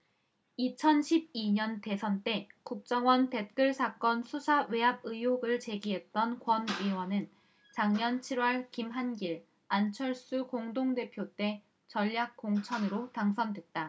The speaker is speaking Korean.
이천 십 이 년 대선 때 국정원 댓글 사건 수사 외압 의혹을 제기했던 권 의원은 작년 칠 월 김한길 안철수 공동대표 때 전략 공천으로 당선됐다